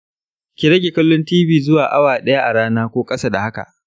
ki rage kallon tv zuwa awa daya a rana ko kasa da haka.